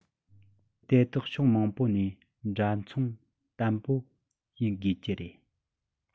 དེ དག ཕྱོགས མང པོ ནས འདྲ མཚུངས དམ པོ ཡིན དགོས རྒྱུ རེད